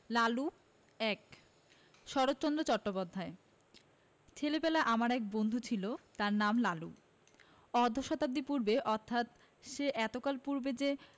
লালু ১ শরৎচন্দ্র চট্টোপাধ্যায় ছেলেবেলায় আমার এক বন্ধু ছিল তার নাম লালু অর্ধ শতাব্দী পূর্বে অর্থাৎ সে এতকাল পূর্বে যে